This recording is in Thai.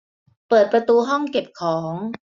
เปิดประตูห้องเก็บของ